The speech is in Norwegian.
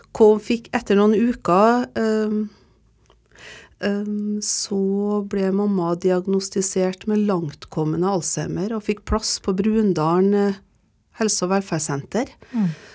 ko fikk etter noen uker så ble mamma diagnostisert med langtkommende Alzheimer og fikk plass på Brundalen helse- og velferdssenter.